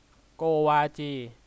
โกวาจี